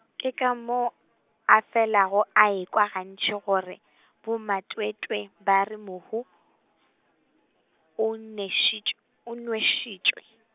ke ka moo, a felago a ekwa gantši gore bomatwetwe ba re mohu , o nešitš-, o nwešitšwe.